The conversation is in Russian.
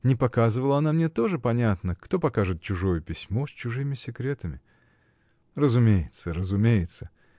Не показывала она мне, тоже понятно: кто покажет чужое письмо, с чужими секретами?. Разумеется, разумеется!